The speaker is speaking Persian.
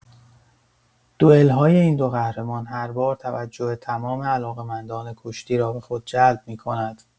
دوئل‌های این دو قهرمان هر بار توجه تمام علاقه‌مندان کشتی را به خود جلب می‌کند.